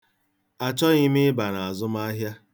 Achọghị m ịba n'azụmahịa.